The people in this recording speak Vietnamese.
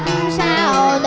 mọc